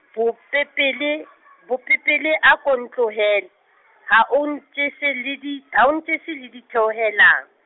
bopepele, bopepele a ko o ntlohele, Ha o ntjese le di, ha o ntjese le ditheohelang.